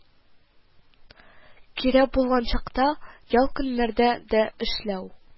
Кирәк булган чакта ял көннәрдә дә эшләү»